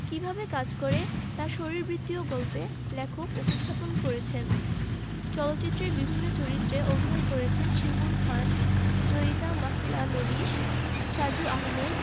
কিভাবে কাজ করে তা শরীরবৃত্তীয় গল্পে লেখক উপস্থাপন করেছেন চলচ্চিত্রের বিভিন্ন চরিত্রে অভিনয় করেছেন শিমুল খান জয়িতা মাহলানোবিশ সাজু আহমেদ